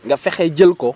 nga fexe jël ko